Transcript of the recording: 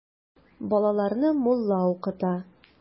Балаларны мулла укыта.